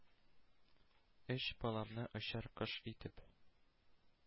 Өч баламны, очар кош итеп,